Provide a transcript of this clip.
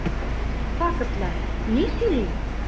Фактлар ни сөйли?